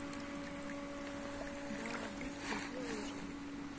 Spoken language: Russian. да быстро сделай уже